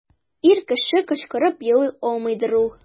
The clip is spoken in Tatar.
Ир кеше кычкырып елый алмыйдыр ул.